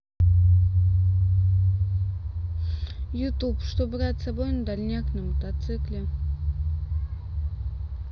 youtube что брать с собой на дальняк на мотоцикле